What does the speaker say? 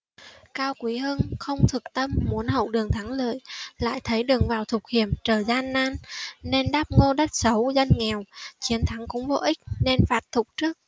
cao quý hưng không thực tâm muốn hậu đường thắng lợi lại thấy đường vào thục hiểm trở gian nan nên đáp ngô đất xấu dân nghèo chiến thắng cũng vô ích nên phạt thục trước